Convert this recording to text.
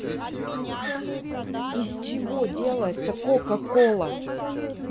из чего делается coca cola